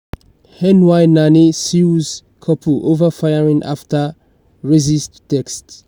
NY nanny sues couple over firing after "racist" text